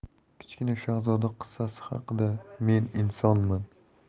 kichkina shahzoda qissasi haqida men insonman